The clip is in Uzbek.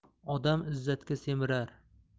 odam izzatga semirar